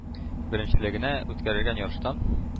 Беренчелегенә үткәрелгән ярыштан